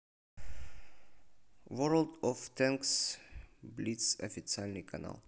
ворлд оф тэнкс блиц официальный канал